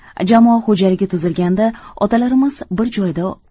jamoa xo'jaligi tuzilganda otalarimiz bir joyda